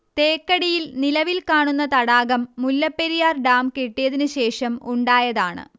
തേക്കടിയിൽ നിലവിൽ കാണുന്ന തടാകം മുല്ലപ്പെരിയാർ ഡാം കെട്ടിയതിന് ശേഷം ഉണ്ടായതാണ്